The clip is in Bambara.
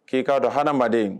K'i k'a dɔn hadamaden